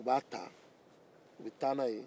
u b'a ta ka taa n'a ye